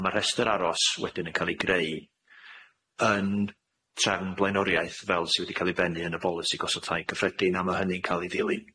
A ma' rhestr aros wedyn yn ca'l ei greu yn trefn blaenoriaeth fel sy wedi ca'l ei bennu yn y bolisi gosodd tai cyffredin a ma' hynny'n ca'l ei ddilyn.